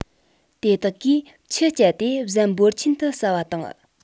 དེ དག གིས མཆུ སྤྱད དེ ཟན འབོར ཆེན དུ ཟ བ དང